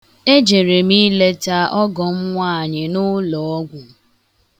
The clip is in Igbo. Ejere m ileta ọgọ m nwaanyị n'ụlọọgwụ.